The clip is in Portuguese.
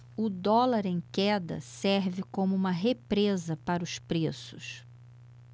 o dólar em queda serve como uma represa para os preços